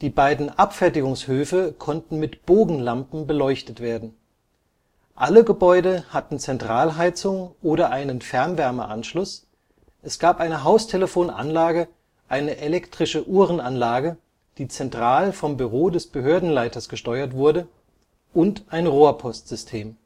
beiden Abfertigungshöfe konnten mit Bogenlampen beleuchtet werden. Alle Gebäude hatten Zentralheizung oder einen Fernwärmeanschluss, es gab eine Haustelefonanlage, eine elektrische Uhrenanlage, die zentral vom Büro des Behördenleiters gesteuert wurde, und ein Rohrpostsystem